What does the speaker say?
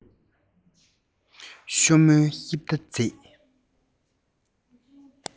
ཤོ མོའི དབྱིབས ལྟར མཛེས